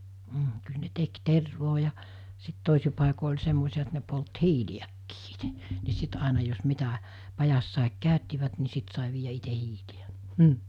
mm kyllä ne teki tervaa ja sitten toisin paikoin oli semmoisia että ne poltti hiiliäkin itse niin sitten aina jos mitä pajassakin käyttivät niin sitten sai viedä itse hiiliä